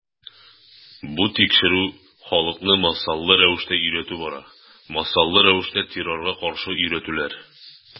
Бу тикшерү, халыкны массалы рәвештә өйрәтү бара, массалы рәвештә террорга каршы өйрәтүләр.